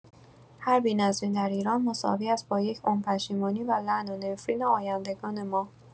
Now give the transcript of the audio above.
هر بی‌نظمی در ایران مساوی هست با یک عمر پشیمانی و لعن و نفرین آیندگان ما